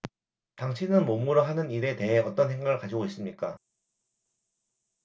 당신은 몸으로 하는 일에 대해 어떤 생각을 가지고 있습니까